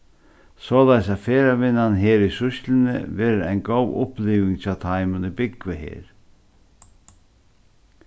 soleiðis at ferðavinnan her í sýsluni verður ein góð uppliving hjá teimum ið búgva her